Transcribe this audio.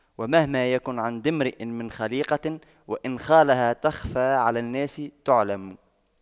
ومهما يكن عند امرئ من خَليقَةٍ وإن خالها تَخْفَى على الناس تُعْلَمِ